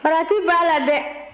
farati b'a la dɛ